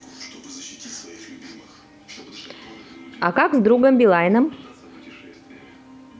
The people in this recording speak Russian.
а как с другом билайном